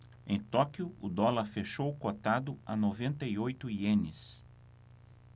em tóquio o dólar fechou cotado a noventa e oito ienes